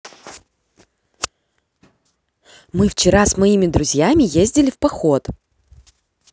мы вчера с моими друзьями ездили в поход